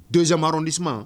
Donsomarudi